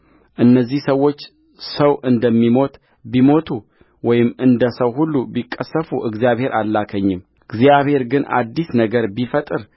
እነዚህ ሰዎች ሰው እንደሚሞት ቢሞቱ ወይም እንደ ሰው ሁሉ ቢቀሠፉ እግዚአብሔር አልላከኝምእግዚአብሔር ግን አዲስ ነገር ቢፈጥር